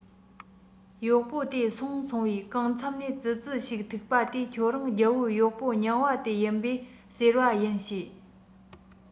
གཡོག པོ དེ སོང སོང བས གང མཚམས ནས ཙི ཙི ཞིག ཐུག པ དེས ཁྱོད རང རྒྱལ པོའི གཡོག པོ རྙིང པ དེ ཡིན པས ཟེར བ ཡིན བྱས